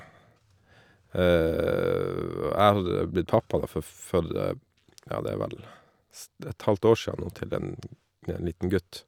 Jeg hadde blitt pappa, da, fo for, ja det er vel s det er et halvt år siden nå, til en en liten gutt.